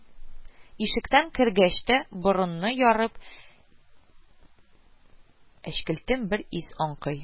Ишектән кергәч тә, борынны ярып, әчкелтем бер ис аңкый